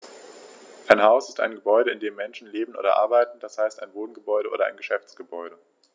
Ein Haus ist ein Gebäude, in dem Menschen leben oder arbeiten, d. h. ein Wohngebäude oder Geschäftsgebäude.